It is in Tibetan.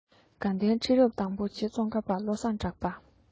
དགའ ལྡན ཁྲི རབས དང པོ རྗེ ཙོང ཁ པ བློ བཟང གྲགས པ